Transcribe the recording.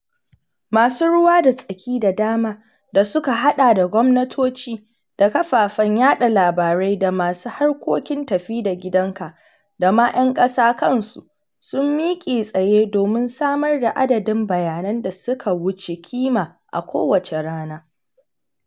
Masu ruwa da tsaki da dama da suka haɗa da gwamnatoci da kafafen yaɗa labarai da masu harkokin tafi da gidanka da ma 'yan ƙasa kansu sun miqe tsaye domin samar da adadin bayanan da suka wuce kima a kowacce rana.